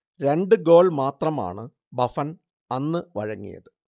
രണ്ട് ഗോൾ മാത്രമാണ് ബഫൺ അന്ന് വഴങ്ങിയത്